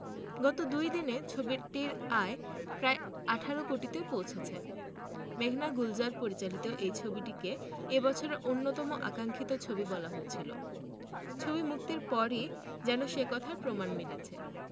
গত দুই দিনে ছবিটির আয় সাড়ে ১৮ কোটিতে পৌঁছেছে মেঘনা গুলজার পরিচালিত এই ছবিটিকে এই বছরের অন্যতম আকাঙ্খিত ছবি বলা হচ্ছিল ছবি মুক্তির পরই যেন সেই কথার প্রমাণ মিলেছে